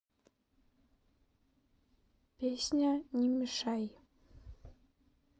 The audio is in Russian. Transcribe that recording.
песня не мешай